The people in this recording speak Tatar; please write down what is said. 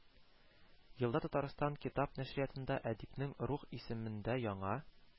Елда татарстан китап нәшриятында әдипнең «рух» исемендә яңа